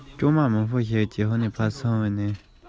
ཉི འོད ནང དུ ཐལ རྡུལ